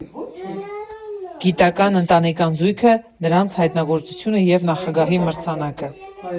Գիտական ընտանեկան զույգը, նրանց հայտնագործությունը և Նախագահի մրցանակը։